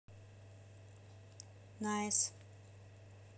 nice